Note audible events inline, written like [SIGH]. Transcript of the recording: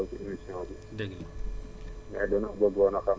ñun dañoo bëgg [HESITATION] lu bëri dañoo xaw a raw ci émission bi